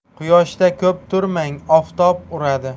quyoshda ko'p turmang oftob uradi